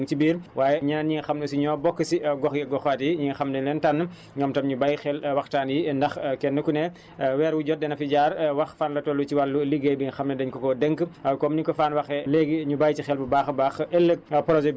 mu amaat tam beneen poñ boo xam ne dinañ si ñëwaat mu jëm si wàllu càmm ji moom tam mu ngi ci biir waaye ñeneen ñi nga xam ne si ñoo bokk si gox goxaat yi ñi nga xam dañ leen tànn ñoom tam ñu bàyyi xel waxtaan yi ndax kenn ku ne weer wu jot dana fi jaar wax fan la toll ci wàllu liggéey bi nga xam ne dañ ko koo dénk